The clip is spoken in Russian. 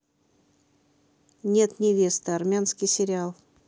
нет невесты армянский сериал